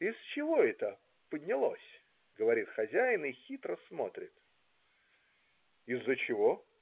из чего это поднялось?" - говорит хозяин и хитро смотрит. "Из-за чего?.